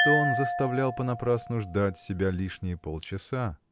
что он заставлял понапрасну ждать себя лишние полчаса.